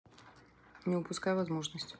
не упускай возможность